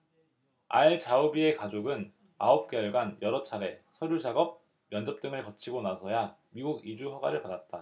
알 자우비의 가족은 아홉 개월간 여러 차례 서류작업 면접 등을 거치고 나서야 미국 이주 허가를 받았다